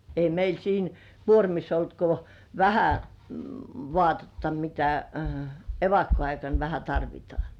ei meillä siinä kuormissa ollut kuin vähän vaatetta mitä evakkoaikana vähän tarvitaan